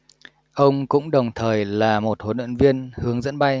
ông cũng đồng thời là một huấn luyện viên hướng dẫn bay